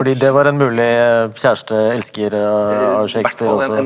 fordi det var en mulig kjæreste elsker av Shakespeare også.